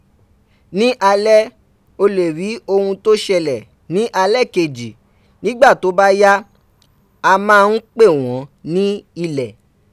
Ní alẹ́, o lè rí ohun tó ṣẹlẹ̀ ní alẹ́ kejì ; nígbà tó bá yá, a máa ń pè wọ́n ní ilẹ̀.